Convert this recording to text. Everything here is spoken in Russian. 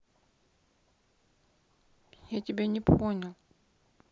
я тебя не понял